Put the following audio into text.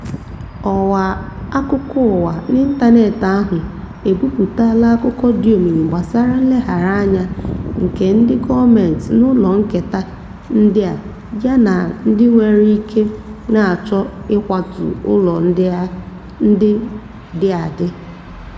Ọwa akụkọ ụwa n'ịntaneetị ahụ ebupụtaala akụkọ dị omimi gbasara nleghara anya nke ndị gọọmentị n'ụlọ nketa ndị a yana ndị nwere ike na-achọ ịkwatu ụlọ ndị dị adị: